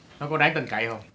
nó có đáng tin cậy không